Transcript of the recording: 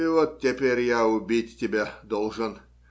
- И вот теперь я убить тебя должен.